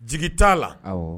Jigi t'a la, awɔ